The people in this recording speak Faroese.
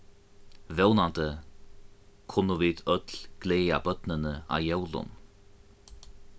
vónandi kunnu vit øll gleða børnini á jólum